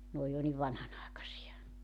ne on jo niin vanhanaikaisia